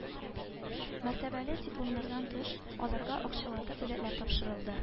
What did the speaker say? Мәртәбәле дипломнардан тыш аларга акчалата бүләкләр тапшырылды